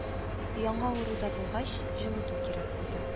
Яңа авыру да булгач, җылыту кирәк булды